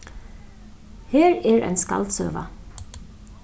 her er ein skaldsøga